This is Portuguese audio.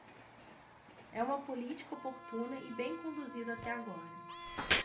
é uma política oportuna e bem conduzida até agora